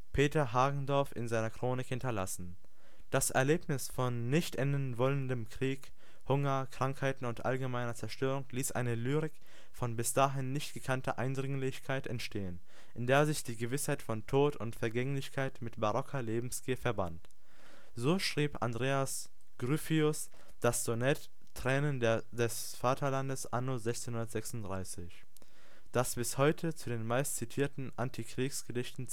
Peter Hagendorf in seiner Chronik hinterlassen. Das Erlebnis von nicht enden wollendem Krieg, Hunger, Krankheiten und allgemeiner Zerstörung ließ eine Lyrik von bis dahin nicht gekannter Eindringlichkeit entstehen, in der sich die Gewissheit von Tod und Vergänglichkeit mit barocker Lebensgier verband. So schrieb Andreas Gryphius das Sonett „ Tränen des Vaterlandes Anno 1636 “, das bis heute zu den meist zitierten Antikriegsgedichten